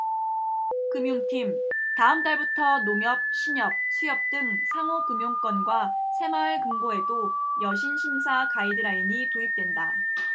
금융팀 다음 달부터 농협 신협 수협 등 상호금융권과 새마을금고에도 여신심사 가이드라인이 도입된다